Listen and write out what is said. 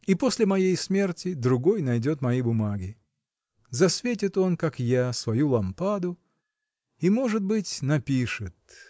И после моей смерти — другой найдет мои бумаги: Засветит он, как я, свою лампаду — И — может быть — напишет.